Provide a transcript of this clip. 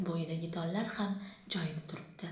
bo'yidagi tollar ham joyida turibdi